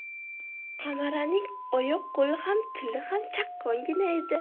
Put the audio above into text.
qamaraning oyoq qo'li ham tili ham chaqqongina edi